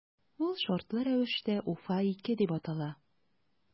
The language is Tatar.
Ул шартлы рәвештә “Уфа- 2” дип атала.